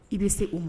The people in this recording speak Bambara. I bɛ se o ma